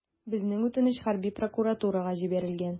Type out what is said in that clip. Безнең үтенеч хәрби прокуратурага җибәрелгән.